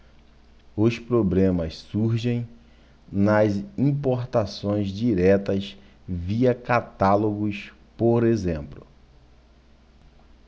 os problemas surgem nas importações diretas via catálogos por exemplo